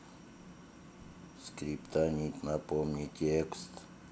скриптонит напомни текст